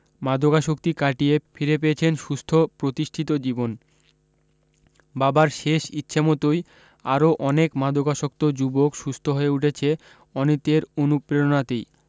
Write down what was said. মাদকাসক্তি কাটিয়ে ফিরে পেয়েছেন সুস্থ প্রতিষ্ঠিত জীবন বাবার শেষ ইচ্ছেমতোই আরও অনেক মাদকাসক্ত যুবক সুস্থ হয়ে উঠেছে অনীতের অনুপ্রেরণাতেই